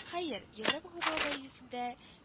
Хәер, Европа Кубогы бәйгесендә